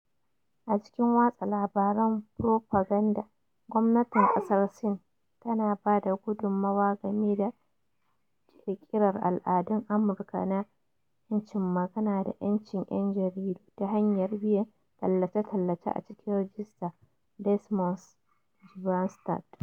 "A cikin watsa labaran furofaganda, gwamnatin kasar Sin tana ba da gudummawa game da kirkirar al'adun Amurka na ‘yancin magana da ‘yancin yan jaridu ta hanyar biyan tallace-tallace a cikin Ragista Des Moines," in ji Branstad.